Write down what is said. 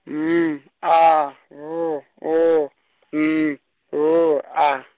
M A V O N V A.